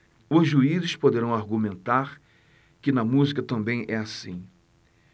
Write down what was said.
os juízes poderão argumentar que na música também é assim